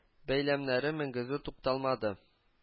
Бәйләмнәре менгезү тукталмады